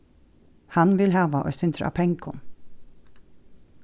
hann vil hava eitt sindur av pengum